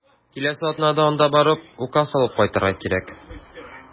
Киләсе атнада анда барып, указ алып кайтырга кирәк.